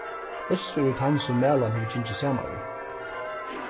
øssur er tann sum malan hevur gingið saman við